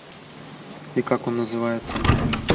и как он называется